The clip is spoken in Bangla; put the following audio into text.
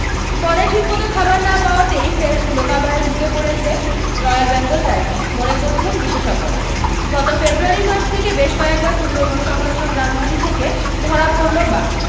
বনে ঠিকমতো খাবার না পাওয়াতেই ফের লোকালয়ে ঢুকে পড়েছে রয়্যাল বেঙ্গল টাইগার মনে করছেন বিশেষজ্ঞরা গত ফেব্রুয়ারি মাস থেকে বেশ কয়েকবার সুন্দরবন সংলগ্ন গ্রামগুলি থেকে ধরা পড়লো বাঘ